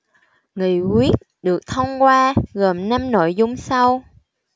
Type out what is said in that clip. nghị quyết được thông qua gồm năm nội dung sau